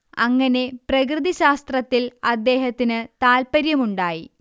അങ്ങനെ പ്രകൃതി ശാസ്ത്രത്തിൽ അദ്ദേഹത്തിന് താല്പര്യമുണ്ടായി